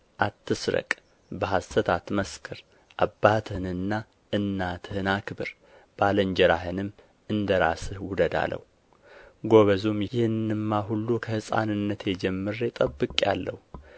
አትስረቅ በሐሰት አትመስክር አባትህንና እናትህን አክብር ባልንጀራህንም እንደ ራስህ ውደድ አለው ጐበዙም ይህንማ ሁሉ ከሕፃንነቴ ጀምሬ ጠብቄአለሁ